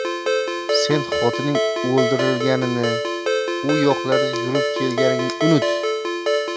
sen xotining o'ldirilganini u yoqlarda yurib kelganingni unut